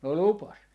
no lupasi